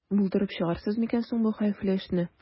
Булдырып чыгарсыз микән соң бу хәвефле эшне?